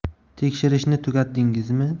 tekshirishni tugatdingizmi